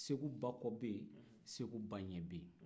segu bakɔ bɛ yen segu baɲɛ yen